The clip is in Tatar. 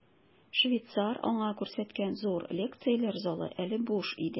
Швейцар аңа күрсәткән зур лекцияләр залы әле буш иде.